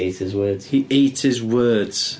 He ate his words... he ate his words.